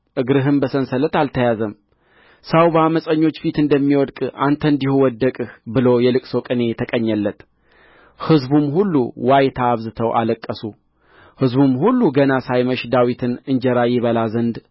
እግርህም በሰንሰለት አልተያዘም ሰው በዓመፀኞች ፊት እንደሚወድቅ አንተ እንዲሁ ወደቅህ ብሎ የልቅሶ ቅኔ ተቀኘለት ሕዝቡም ሁሉ ዋይታ አብዝተው አለቀሱ ሕዝቡም ሁሉ ገና ሳይመሽ ዳዊትን እንጀራ ይበላ ዘንድ